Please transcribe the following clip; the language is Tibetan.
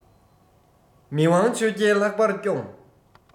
མི དབང ཆོས རྒྱལ ལྷག པར སྐྱོང